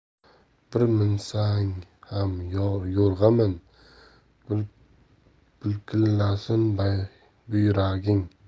bir minsang ham yo'rg'a min bulkillasin buyraging